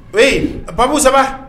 Oui, Babou, ça va ?